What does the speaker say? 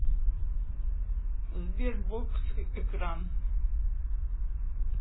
sberbox экран